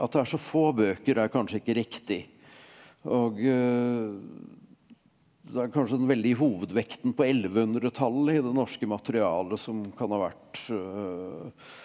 at det er så få bøker er kanskje ikke riktig og det er kanskje en veldig hovedvekten på ellevehundretallet i det norske materialet som kan ha vært .